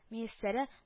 Мияссәрә